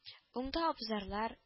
Уңда абзарлар